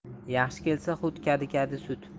yaxshi kelsa hut kadi kadi sut